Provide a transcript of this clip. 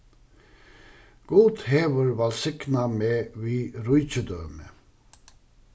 gud hevur vælsignað meg við ríkidømi